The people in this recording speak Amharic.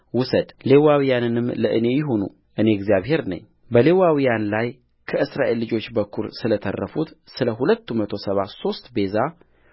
ውሰድ ሌዋውያንም ለእኔ ይሁኑ እኔ እግዚአብሔር ነኝበሌዋውያን ላይ ከእስራኤል ልጆች በኵር ስለ ተረፉት ስለ ሁለት መቶ ሰባ ሦስት ቤዛ